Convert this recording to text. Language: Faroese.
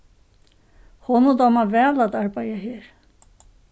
honum dámar væl at arbeiða her